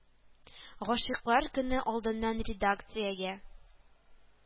Гашыйклар көне алдыннан редакциягә